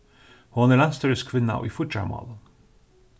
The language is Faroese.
hon er landsstýriskvinna í fíggjarmálum